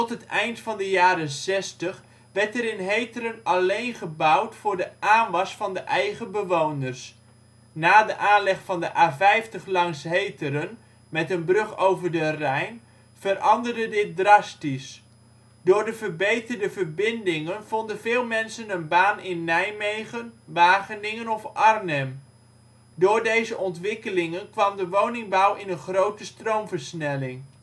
het eind van de jaren zestig werd er in Heteren alleen gebouwd voor de aanwas van de eigen bewoners. Na de aanleg van de A50 langs Heteren, met een brug over de Rijn, veranderde dit drastisch. Door de verbeterde verbindingen vonden veel mensen een baan in Nijmegen, Wageningen of Arnhem. Door deze ontwikkelingen kwam de woningbouw in een grote stroomversnelling